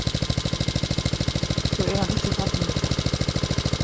so er hann ikki fallin í fátt